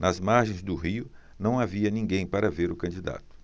nas margens do rio não havia ninguém para ver o candidato